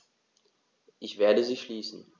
Ich werde sie schließen.